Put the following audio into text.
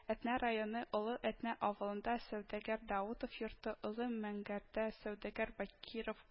Әтнә районы Олы Әтнә авылында сәүдәгәр Даутов йорты, Олы Мәңгәрдә сәүдәгәр Бакиров